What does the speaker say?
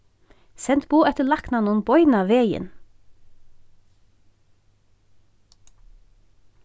send boð eftir læknanum beinanvegin